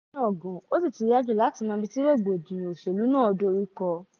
Torí náà gan, ó sì ti yá jù láti mọ ibi tí rògbòdìyàn òṣèlú náà ń dorí kọ.